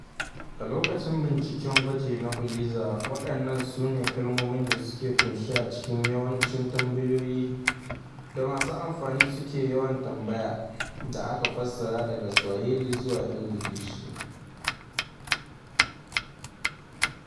A lokacin binciken gwaji na Uliza, waɗannan su ne kalmomin da suke ƙunshe a cikin yawancin tambayoyin da masu amfani suke yawan tambaya (da aka fassara daga Swahili zuwa Ingilishi).